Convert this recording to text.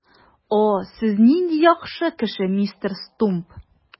О, сез нинди яхшы кеше, мистер Стумп!